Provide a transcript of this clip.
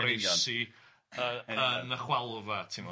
Yn ceisio goreisi yy yn y chwalfa timod.